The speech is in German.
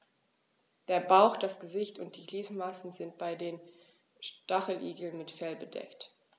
Der Bauch, das Gesicht und die Gliedmaßen sind bei den Stacheligeln mit Fell bedeckt.